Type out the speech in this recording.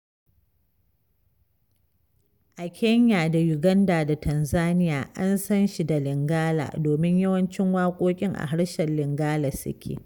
A Kenya da Uganda da Tanzania an san shi da Lingala domin yawancin waƙoƙin a harshen Lingala suke.